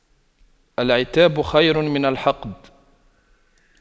العتاب خير من الحقد